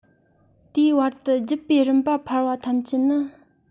དེའི བར དུ བརྒྱུད པའི རིམ པ འཕར བ ཐམས ཅད ནི